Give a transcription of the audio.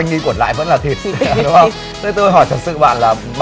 đi quẩn lại vẫn là thịt đúng không thế tôi hỏi thật sự bạn là bạn